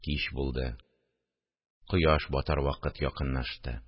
Кич булды, кояш батар вакыт якынлашты